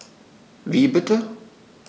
Wie bitte?